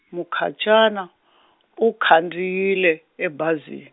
Mukhacani, u khandziyile, ebazi-.